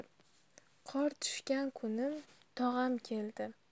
qor tushgan kuni tog'am keldi